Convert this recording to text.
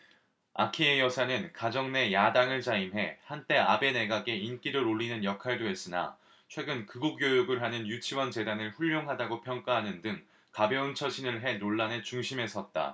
아키에 여사는 가정 내 야당을 자임해 한때 아베 내각의 인기를 올리는 역할도 했으나 최근 극우교육을 하는 유치원재단을 훌륭하다고 평가하는 등 가벼운 처신을 해 논란의 중심에 섰다